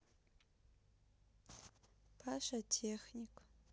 паша техник